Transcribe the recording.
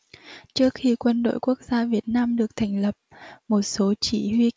trước khi quân đội quốc gia việt nam được thành lập một số chỉ huy